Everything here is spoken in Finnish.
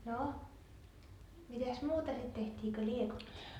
no mitäs muuta sitten tehtiin kuin liekuttiin